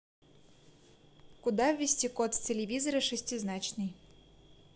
куда ввести код с телевизора шестизначный